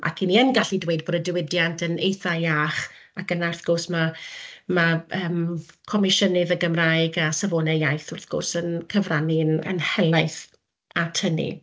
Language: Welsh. ac 'y ni yn gallu dweud bod y diwydiant yn eitha iach ac yna wrth gwrs mae, mae yym Comisiynydd y Gymraeg a safonau iaith wrth gwrs yn cyfrannu'n yn helaeth at hynny.